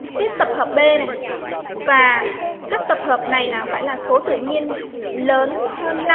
viết tập hợp b và các tập hợp này là phải là số tự nhiên lớn hơn